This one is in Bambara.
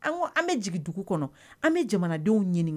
Awɔ an bi jigin dugu kɔnɔ an bi jamanadenw ɲini